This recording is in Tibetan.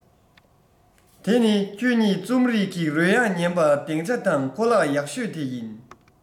དེ ནི ཁྱོད ཉིད རྩོམ རིག གི རོལ དབྱངས ཉན པའི གདེང ཆ དང ཁོ ལག ཡག ཤོས དེ ཡིན